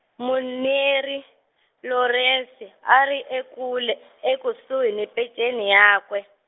Muneri, Lorese- a ri e kule e kusuhi ni phenxeni yakwe.